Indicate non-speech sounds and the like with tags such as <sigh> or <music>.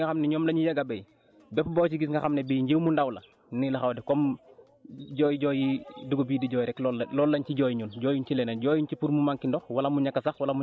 même <crosstalk> du si suén tool yi kese même suñ tool yi nga xam ne ñoom la ñu yàgg a béy bépp boo ci gis nga xam ne bii jiw mu ndaw la nii la xaw a def comme jooy-jooy yi dugub bi di jooy rek loolu la loolu lañ ci jooy ñun jooyuñu ci leneen